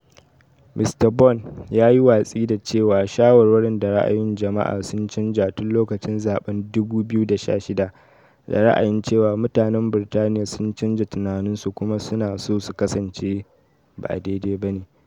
Mr Bone ya yi watsi da cewa shawarwarin da ra'ayoyin jama'a sun canja tun lokacin zaben 2016: 'Da ra'ayin cewa mutanen Birtaniya sun canza tunaninsu kuma su na so su kasance ba daidai ba ne.'